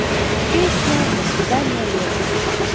песня до свидания лето